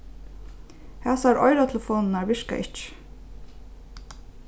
hasar oyratelefonirnar virka ikki